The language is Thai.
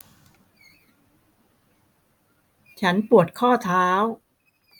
ฉันปวดข้อเท้า